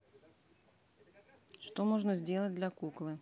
что можно сделать для куклы